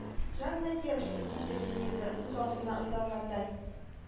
Странная девочка диде лениза үзалдына уйлангандай